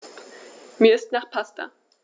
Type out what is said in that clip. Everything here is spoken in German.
Mir ist nach Pasta.